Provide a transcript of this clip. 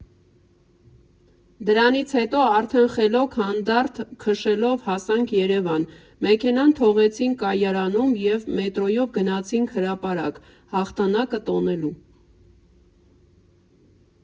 Դրանից հետո արդեն խելոք֊հանդարտ քշելով հասանք Երևան, մեքենան թողեցինք Կայարանում և մետրոյով գնացինք հրապարակ՝ հաղթանակը տոնելու։